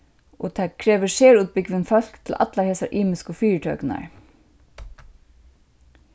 og tað krevur serútbúgvin fólk til allar hesar ymisku fyritøkurnar